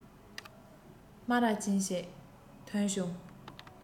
སྨ ར ཅན ཞིག ཀྱང ཐོན བྱུང